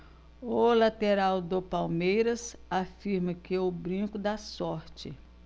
o lateral do palmeiras afirma que o brinco dá sorte